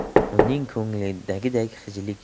uning ko'nglidagi xijillik